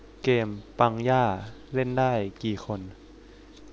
เกมปังย่าเล่นได้กี่คน